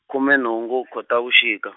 khume nhungu Khotavuxika.